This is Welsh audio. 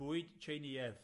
Bwyd tseiniedd.